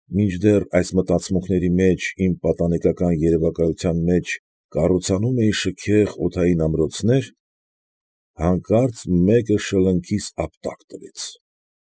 Մինչդեռ այս մտածմունքների մեջ իմ պատանեկական երևակայության մեջ կառուցանում էի շքեղ օդային ամրոցներ, հանկարծ մեկը շլնքիս ապտակ տվեց։